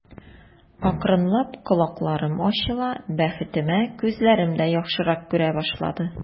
Акрынлап колакларым ачыла, бәхетемә, күзләрем дә яхшырак күрә башлады.